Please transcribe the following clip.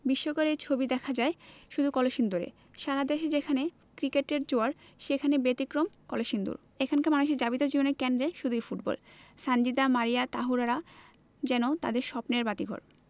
বিস্ময়কর এই ছবি দেখা যায় শুধু কলসিন্দুরে সারা দেশে যেখানে ক্রিকেটের জোয়ার সেখানে ব্যতিক্রম কলসিন্দুর এখানকার মানুষের যাপিত জীবনের কেন্দ্রে শুধুই ফুটবল সানজিদা মারিয়া তাহুরারা যেন তাদের স্বপ্নের বাতিঘর